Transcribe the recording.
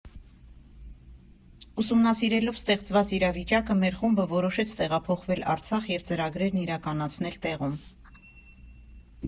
Ուսումնասիրելով ստեղծված իրավիճակը՝ մեր խումբը որոշեց տեղափոխվել Արցախ և ծրագրերն իրականացնել տեղում։